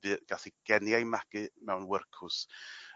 fi gath 'i geni a'i magu mewn wyrcws.